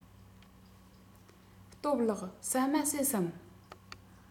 སྟོབས ལགས ཟ མ ཟོས སམ